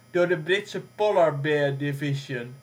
door de Britse Polar Bear Division